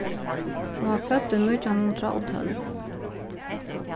hon var fødd í nítjan hundrað og tólv